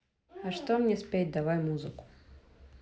а что мне спеть давай музыку